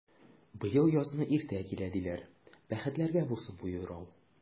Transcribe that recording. Быел язны иртә килә, диләр, бәхетләргә булсын бу юрау!